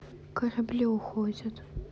корабли уходят